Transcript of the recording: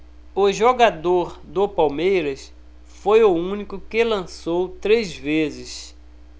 o jogador do palmeiras foi o único que lançou três vezes